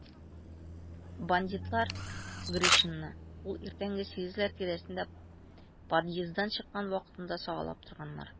Бандитлар Гришинны ул иртәнге сигезләр тирәсендә подъезддан чыккан вакытында сагалап торганнар.